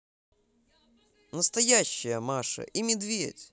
настоящая маша и медведь